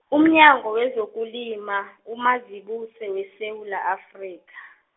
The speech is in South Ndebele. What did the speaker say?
umnyango wezokulima, uMazibuse weSewula Afrika.